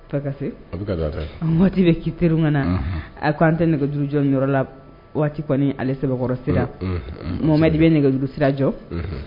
Pa se waati kiter na a ko an tɛ nɛgɛjuru jɔyɔrɔ la waati kɔni ale sababukɔrɔ sera mamama de bɛ nɛgɛjuru sira jɔ